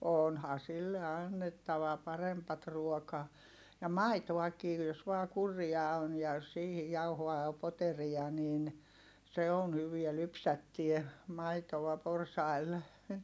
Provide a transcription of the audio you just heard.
on onhan sille annettava parempaa ruokaa ja maitoakin jos vain kurria on ja jos siihen jauhoa ja poteria niin se on hyvää lypsättää maitoa porsailla